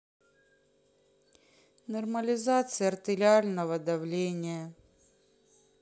нормализация артериального давления